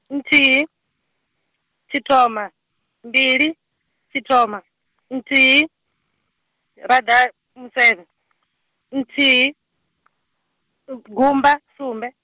nthihi, tshithoma, mbili, tshithoma, nthihi, ra da musevhe , nthihi, gumba sumbe.